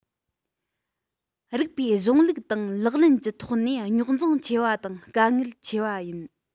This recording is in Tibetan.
རིགས པའི གཞུང ལུགས དང ལག ལེན གྱི ཐོག ནས རྙོག འཛིང ཆེ བ དང དཀའ ངལ ཆེ བ ཡིན